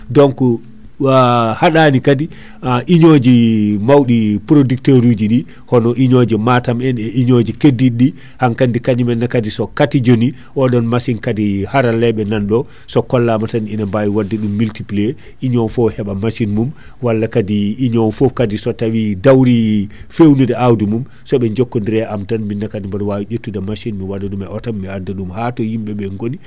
donc haɗani kaadi union mawɗi producteur uji ɗi hono union Matam en e union ji keddiɗi ɗi hankkandi kañum enna kaadi so katijoni oɗon machine kaadi haralleɓe nanɗo so kollama tan ina bawi wadde ɗum multiplier union foo heɓa machine mum walla kaadi union foof kaadi so tawi dawri fewnude awdi mum soɓo jokkidiri e am tan minne kaadi biɗa wawi ƴettude machine mi waɗa ɗum e auto am mi adda ɗum ha to yimɓeɓe gonni